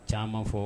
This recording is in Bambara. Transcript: Caman fɔ